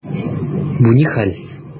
Бу ни хәл!